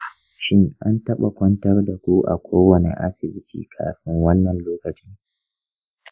shin an taɓa kwantar da ku a kowane asibiti kafin wannan lokacin?